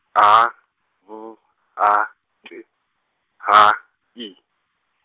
A, B, A, T, H, I.